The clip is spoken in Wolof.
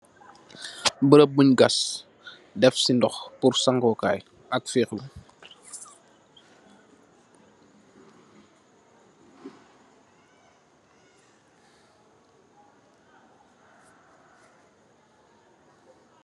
Berem bung gass defsi ndox pul sangu kai ak fexlu.